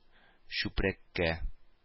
Чүпрәккә